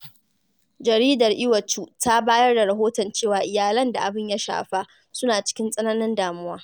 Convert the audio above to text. Jaridar Iwacu ta bayar da rahoton cewa iyalan da abin ya shafa suna cikin tsananin damuwa.